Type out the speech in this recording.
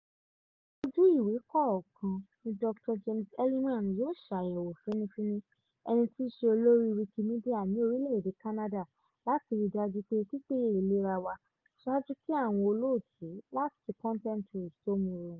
Ojú ìwé kọ̀ọ̀kan ni Dr. James Heliman yóò ṣàyẹ̀wò fínnífínní, ẹni tí í ṣe olórí Wikimedia ní orílẹ̀ èdè Canada, láti ríi dájú pé pípéye ìlera wà, ṣáájú kí àwọn olóòtú láti Content Rules tó mu rọrùn.